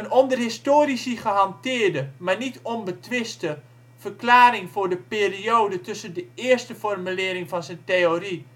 onder historici gehanteerde, maar niet onbetwiste, verklaring voor de periode tussen de eerste formulering van zijn theorie